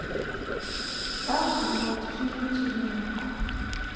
так мультфильм теремок